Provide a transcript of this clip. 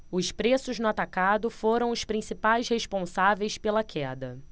os preços no atacado foram os principais responsáveis pela queda